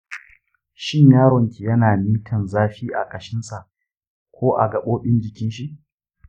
shin yaronki yana mitan zafi a kashinsa ko a gabobin jikin shi?